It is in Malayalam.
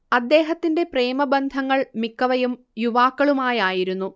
അദ്ദേഹത്തിന്റെ പ്രേമബന്ധങ്ങൾ മിക്കവയും യുവാക്കളുമായായിരുന്നു